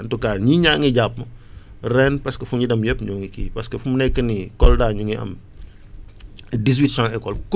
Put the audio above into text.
en tout cas nit ñaa ngi jàpp ren parce que fu ñu dem yëpp ñoo ngi kii parce que fu mu nekk nii Kolda ñu ngi am dix huit champs écoles